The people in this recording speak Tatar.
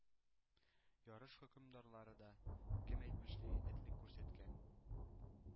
Ярыш хөкемдарлары да, кем әйтмешли, этлек күрсәткән.